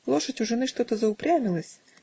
лошадь у жены что-то заупрямилась